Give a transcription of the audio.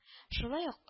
Шулай ук